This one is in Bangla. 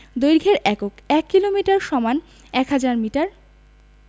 দৈর্ঘ্যের এককঃ ১ কিলোমিটার = ১০০০ মিটার